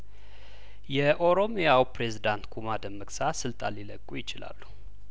የኦሮምያው ፕሬዚዳንት ኩማ ደመቅሳ ስልጣን ሊለቁ ይችላሉ